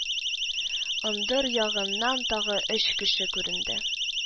Ындыр ягыннан тагы өч кеше күренде